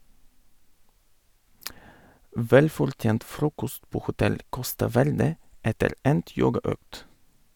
Velfortjent frokost på hotell Costa Verde etter endt yogaøkt.